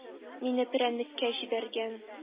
Мине перәннеккә җибәргән.